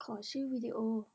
ขอชื่อวิดีโอ